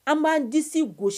An b'an di gosi